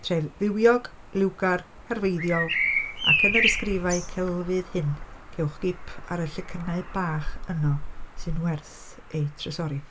Tref fywiog, liwgar, herfeiddiol ac yn yr ysgrifau celfydd hyn cewch gip ar y llecynnau bach yno sy'n werth eu trysori.